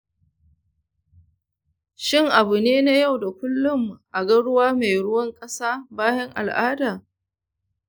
shin abu ne na yau da kullum a ga ruwa mai ruwan ƙasa bayan al'ada?